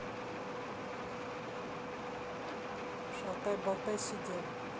шалтай болтай сидел